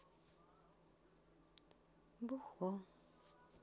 бухло